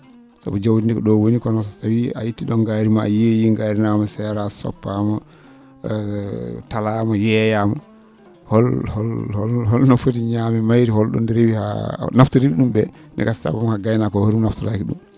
sabu jawdi ndii ko ?o woni kono a ittii ?oo ngaari ma a yeeyii ngaari nawaama seras soppaama talaama yeeyaama hol hol holno foti ñaami mayri hol?o ndi rewi haa naftori?e ?um ?e ne gasa taw hay gaynaako o e hoore mum naftoraki ?um